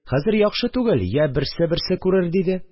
Хәзер яхшы түгел, йә берсе-берсе күрер», – диде